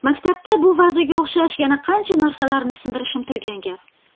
maktabda bu vazaga o'xshash yana qancha narsalarni sindirishim turgan gap